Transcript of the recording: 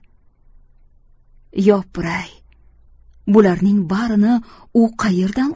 yopiray bularninng barini u qayerdan